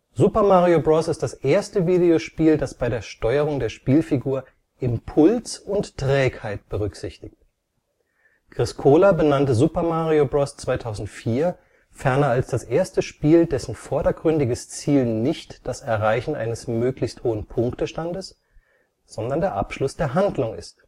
Super Mario Bros. ist das erste Videospiel, das bei der Steuerung der Spielfigur Impuls und Trägheit berücksichtigt. Chris Kohler benannte Super Mario Bros. 2004 ferner als das erste Spiel, dessen vordergründiges Ziel nicht das Erreichen eines möglichst hohen Punktestandes, sondern der Abschluss der Handlung ist